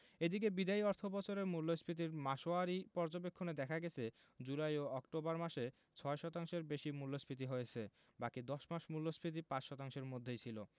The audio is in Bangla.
এদিকে বিদায়ী অর্থবছরের মূল্যস্ফীতির মাসওয়ারি পর্যবেক্ষণে দেখা গেছে জুলাই ও অক্টোবর মাসে ৬ শতাংশের বেশি মূল্যস্ফীতি হয়েছে বাকি ১০ মাস মূল্যস্ফীতি ৫ শতাংশের মধ্যেই ছিল